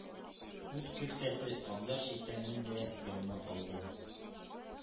Ут көлтәсе абзар читәнен дә ялмап алды.